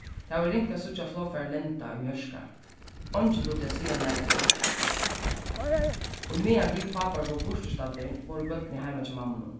tað var ringt at síggja flogfarið lenda í mjørka eingin dugdi at siga nær tað kom ímeðan vit pápar vóru burturstaddir vóru børnini heima hjá mammunum